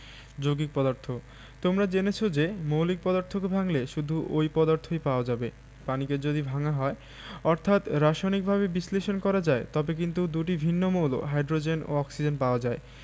যৌগিক পদার্থ তোমরা জেনেছ যে মৌলিক পদার্থকে ভাঙলে শুধু ঐ পদার্থই পাওয়া যাবে পানিকে যদি ভাঙা হয় অর্থাৎ রাসায়নিকভাবে বিশ্লেষণ করা যায় তবে কিন্তু দুটি ভিন্ন মৌল হাইড্রোজেন ও অক্সিজেন পাওয়া যায়